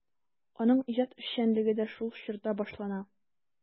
Аның иҗат эшчәнлеге дә шул чорда башлана.